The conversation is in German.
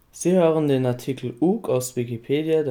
Sie hören den Artikel Ook!, aus Wikipedia